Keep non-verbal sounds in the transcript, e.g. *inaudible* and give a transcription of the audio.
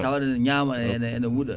tawa ene ñama ene ene wuuɗa *smacks lips*